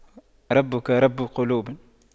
ربك رب قلوب